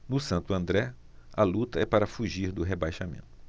no santo andré a luta é para fugir do rebaixamento